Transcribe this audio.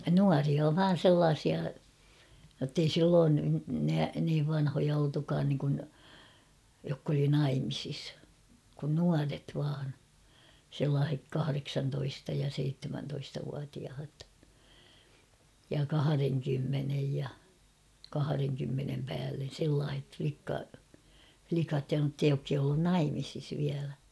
nuoria vain sellaisia jotta ei silloin - niin vanhoja oltukaan niin kuin jotka oli naimisissa kun nuoret vain sellaiset kahdeksantoista ja seitsemäntoistavuotiaat ja kahdenkymmenen ja kahdenkymmenen päälle sellaiset - likat ja jotta jotka ei ollut naimisissa vielä